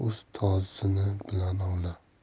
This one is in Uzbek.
o'z tozisi bilan ovla